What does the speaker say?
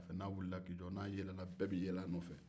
hali n'a wulila k'i jɔ n'a yɛlɛla bɛɛ b'i yɛlɛ a nɔfɛ